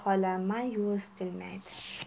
zebi xola mayus jilmaydi